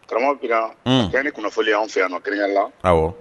Karamɔgɔ Bina ka kɛɲɛ ni kunnafoni ye an fɛ yan nɔ kɛnɛyarɛnya la awɔ